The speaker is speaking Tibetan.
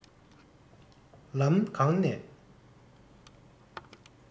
ལམ གང ནས